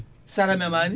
sara memani